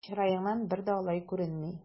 Чыраеңнан бер дә алай күренми!